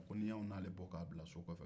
ko n'i y'anw n'ale bɔ k'an bila sokɔfɛ